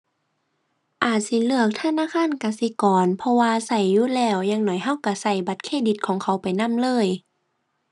อาจสิเลือกธนาคารกสิกร เพราะว่าใช้อยู่แล้ว อย่างน้อยใช้ใช้ใช้บัตรเครดิตของเขาไปนำเลย